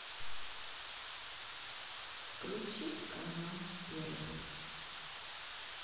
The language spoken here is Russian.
включить канал первый